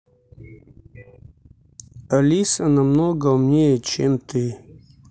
алиса намного умнее чем ты